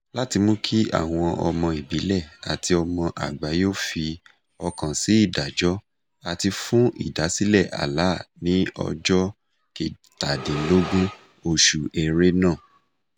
Láti mú kí àwọn ọmọ ìbílẹ̀ àti ọmọ àgbáyé ó fi ọkàn sí ìdájọ́ àti fún ìdásílẹ̀ẹ Alaa ní ọjọ́ 17 oṣù Ẹrẹ́nà.